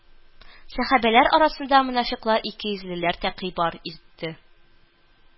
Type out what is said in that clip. Сәхабәләр арасында монафикълар икейөзлеләр тәкый бар ирде